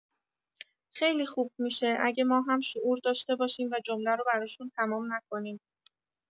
خیلی خوب می‌شه اگه ما هم شعور داشته باشیم و جمله رو براشون تمام نکنیم.